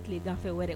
Tilegan fɛ wɛrɛ